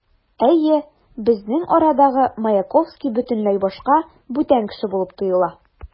Әйе, безнең арадагы Маяковский бөтенләй башка, бүтән кеше булып тоела.